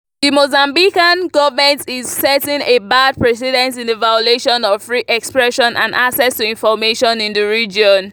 The Mozambican government is setting a bad precedent in the violation of free expression and access to information in the region.